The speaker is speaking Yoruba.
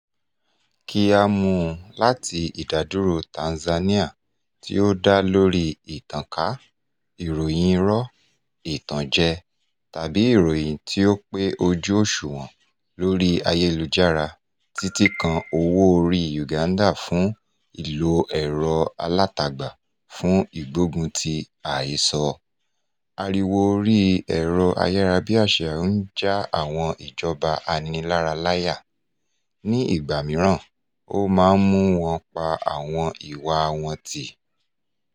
Kí a mú un láti Ìdádúró Tanzania tí ó dá lóríi ìtànká "ìròyìn irọ́, ìtànjẹ, tàbí ìròyìn tí ò pé ojú òṣùwọ̀n" lórí ayélujára títí kan owó-orí Uganda fún ìlò ẹ̀rọ-alátagbà fún ìgbógunti "àhesọ", ariwo orí ẹ̀rọ-ayárabíaṣá ń já àwọn ìjọba aninilára láyà. Ní ìgbà mìíràn, ó máa mú wọn pa àwọn ìwàa wọn tì.